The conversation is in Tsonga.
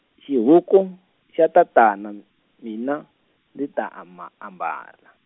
xihuku, xa tatana m-, mina, ndzi ta ama- ambala.